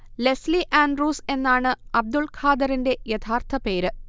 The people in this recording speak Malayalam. ലെസ്ലി ആന്ഡ്രൂസ് എന്നാണ് അബ്ദുൾ ഖാദറിന്റെ യഥാർഥ പേര്